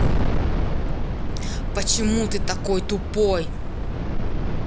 почему ты такой тупой